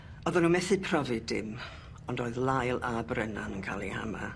O'ddan nw methu profi dim ond oedd Lyle a Brennan yn ca'l 'u hama.